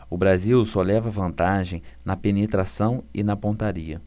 o brasil só leva vantagem na penetração e na pontaria